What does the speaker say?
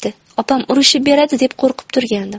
opam urishib beradi deb qo'rqib turgandim